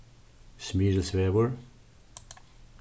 smyrilsvegur